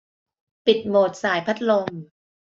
ปิดโหมดส่ายพัดลม